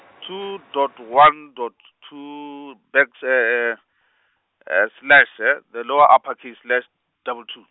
two dot one dot two that's , a slash , the lower upper case slash, double two.